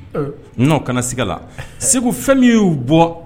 Nɔn kana sigala Seku fɛn min y'u bɔ